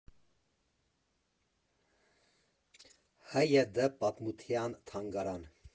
ՀՅԴ Պատմութեան թանգարան։